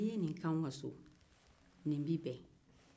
n'i ye nin kɛ o bɛ bɛn anw ka so